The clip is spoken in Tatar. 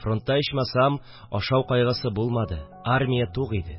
Фронтта, ичмасам, ашау кайгысы булмады – армия тук иде